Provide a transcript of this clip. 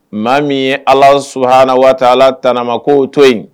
Maa min ye ala su hana waati ala t ma ko to yen